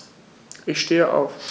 Ich stehe auf.